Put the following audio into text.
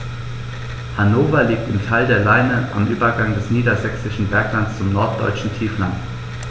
Hannover liegt im Tal der Leine am Übergang des Niedersächsischen Berglands zum Norddeutschen Tiefland.